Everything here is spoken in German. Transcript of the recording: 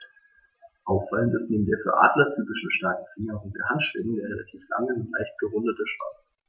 Auffallend ist neben der für Adler typischen starken Fingerung der Handschwingen der relativ lange, nur leicht gerundete Schwanz.